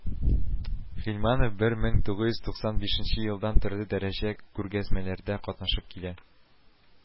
Гыйльманов бер мең тугыз туксан бишенче елдан төрле дәрәҗә күргәзмәләрдә катнашып килә